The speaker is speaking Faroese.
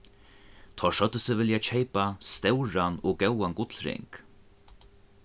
teir søgdu seg vilja keypa stóran og góðan gullring